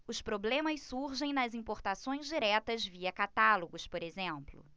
os problemas surgem nas importações diretas via catálogos por exemplo